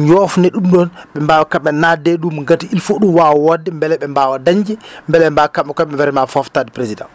njoofni ɗum ɗoon ɓe mbaawa kamɓe ne naatde e ɗum gati il faut ɗum waawa woodde mbele ɓe mbaawa dañde mbele ɓe mbaawa kamɓe e koye maɓɓe vraiment fooftade président